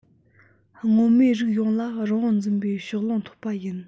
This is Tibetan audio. སྔོན མའི རིགས ཡོངས ལ རི བོང འཛིན པའི ཕྱོགས ལྷུང ཐོབ པ ཡིན